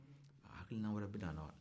hakilina wɛrɛ bɛ na aw la